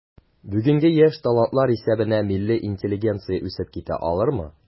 Бүгенге яшь талантлар исәбенә милли интеллигенция үсеп китә алырмы?